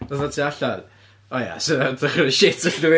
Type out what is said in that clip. Fatha tu allan, o ia, 'sa hynna'n dychryn y shit allan o fi.